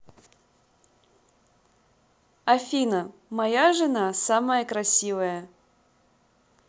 афина моя жена самая красивая